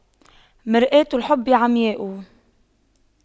مرآة الحب عمياء